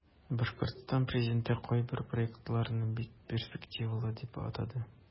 Башкортстан президенты кайбер проектларны бик перспективалы дип атады.